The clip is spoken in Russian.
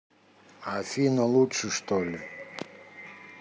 афина лучше что ли